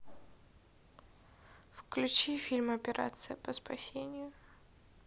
включить фильм операция по спасению